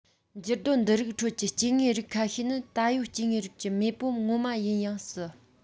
འགྱུར རྡོ འདི རིགས ཁྲོད ཀྱི སྐྱེ དངོས རིགས ཁ ཤས ནི ད ཡོད སྐྱེ དངོས རིགས ཀྱི མེས པོ ངོ མ ཡིན ཡང སྲིད